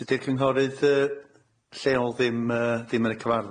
Dydi'r cynghorydd yy lleol ddim yy ddim yn y cyfarfod.